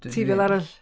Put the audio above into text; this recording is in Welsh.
Ti fel arall.